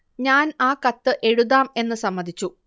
ഞാൻ ആ കത്ത് എഴുതാം എന്ന് സമ്മതിച്ചു